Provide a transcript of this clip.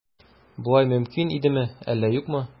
Болай мөмкин идеме, әллә юкмы?